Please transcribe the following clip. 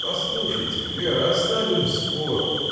— Послушайте, Вера, оставим спор.